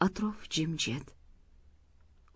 atrof jimjit